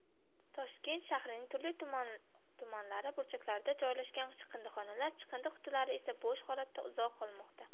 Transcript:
toshkent shahrining turli tumanlari burchaklarida joylashgan chiqindixonalar chiqindi qutilari esa bo'sh holatda uzoq qolmoqda